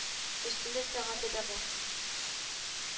Өстендә сәгате дә бар